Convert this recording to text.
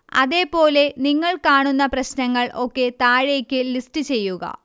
അതേ പോലെ നിങ്ങൾ കാണുന്ന പ്രശ്നങ്ങൾ ഒക്കെ താഴേക്ക് ലിസ്റ്റ് ചെയ്യുക